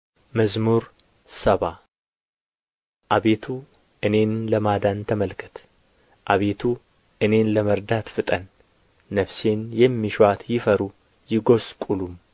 መዝሙር ሰባ አቤቱ እኔን ለማዳን ተመልከት አቤቱ እኔን ለመርዳት ፍጠን ነፍሴን የሚሹአት ይፈሩ ይጐስቍሉም